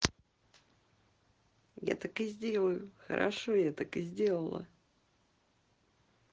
я так и сделаю хорошо я так и сделала